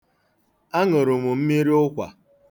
Aṅụrụ m mmiri ụkwa.